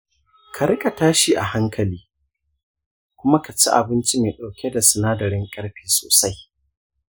ka riƙa tashi a hankali, kuma ka ci abinci mai ɗauke da sinadarin ƙarfe sosai.